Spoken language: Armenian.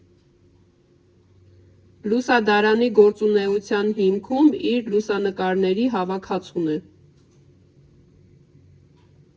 «Լուսադարանի» գործնեության հիմքում իր լուսանկարների հավաքածուն է։